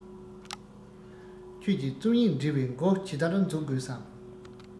ཁྱོད ཀྱིས རྩོམ ཡིག འབྲི བའི མགོ ཇི ལྟར འཛུགས དགོས སམ